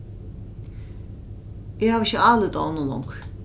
eg havi ikki álit á honum longur